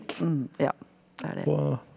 ja det er det.